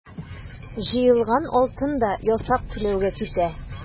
Җыелган алтын да ясак түләүгә китә.